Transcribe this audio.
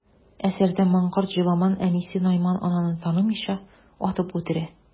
Әсәрдә манкорт Җоламан әнисе Найман ананы танымыйча, атып үтерә.